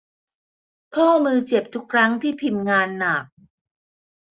ข้อมือเจ็บทุกครั้งที่พิมพ์งานหนัก